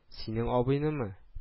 Синең абыйнымы